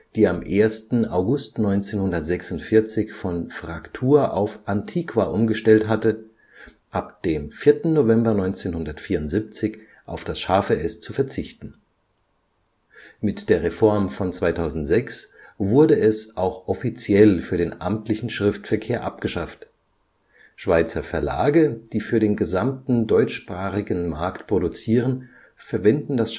die am 1. August 1946 von Fraktur auf Antiqua umgestellt hatte, ab dem 4. November 1974 auf das ß zu verzichten. Mit der Reform von 2006 wurde es auch offiziell für den amtlichen Schriftverkehr abgeschafft. Schweizer Verlage, die für den gesamten deutschsprachigen Markt produzieren, verwenden das